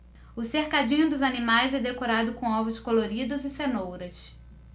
o cercadinho dos animais é decorado com ovos coloridos e cenouras